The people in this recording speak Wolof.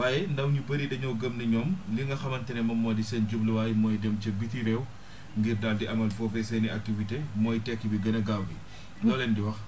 waaye ndaw ñu bëri dañoo gëm ne ñoom li nga xamante ne moom moo di seen jubluwaay mooy dem ca biti réew ngir daal di amal foofee seen i activités mooy tekki bi gën a gaaw loo leen di wax